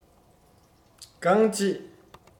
རྐང རྗེས